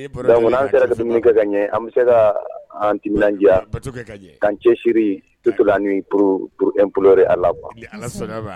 Nkakun an sera dumuni kɛ ka ɲɛ an bɛ se ka an ti diya'an cɛsiri toto ni porourre a la wa